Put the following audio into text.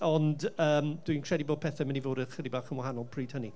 Ond yym dwi'n credu bod pethau'n mynd i fod ychydig bach yn wahanol pryd hynny.